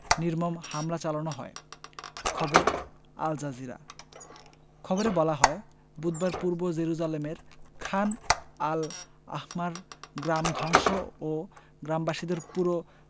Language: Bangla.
নির্মম হামলা চালানো হয় খবর আল জাজিরা খবরে বলা হয় বুধবার পূর্ব জেরুজালেমের খান আল আহমার গ্রাম ধ্বংস ও গ্রামবাসীদের পুরো